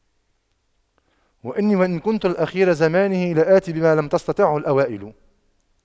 وإني وإن كنت الأخير زمانه لآت بما لم تستطعه الأوائل